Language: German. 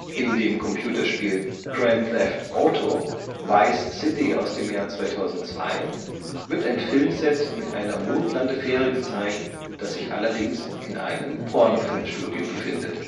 In dem Computerspiel Grand Theft Auto: Vice City (2002) wird ein Filmset mit einer Mondlandefähre gezeigt, das sich allerdings in einem Pornofilmstudio befindet